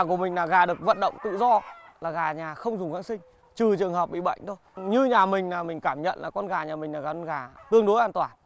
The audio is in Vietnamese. của mình là gà được vận động tự do là gà nhà không dùng kháng sinh trừ trường hợp bị bệnh thôi như nhà mình là mình cảm nhận là con gà nhà mình là con gà tương đối an toàn